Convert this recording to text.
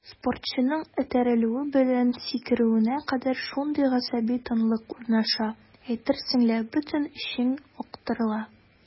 Спортчының этәрелүе белән сикерүенә кадәр шундый гасаби тынлык урнаша, әйтерсең лә бөтен эчең актарыла.